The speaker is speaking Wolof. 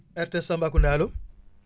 RTS Tambacounda allo